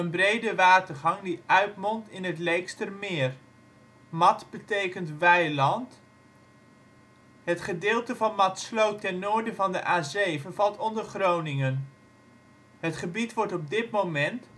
brede watergang die uitmondt in het Leekstermeer. Mat betekent weiland (vergelijk made (lief), meden). Het gedeelte van Matsloot ten noorden van de A7 valt onder Groningen. Dit gebied wordt op dit moment